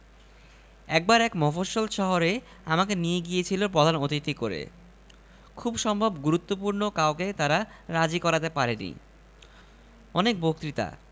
একবার এক মফস্বল শহরে আমাকে নিয়ে গিয়েছিল প্রধান অতিথি করে খুব সম্ভব গুরুত্বপূর্ণ কাউকে তারা রাজি করাতে পারেনি অনেক বক্তৃতা